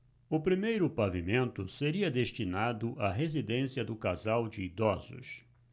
o primeiro pavimento seria destinado à residência do casal de idosos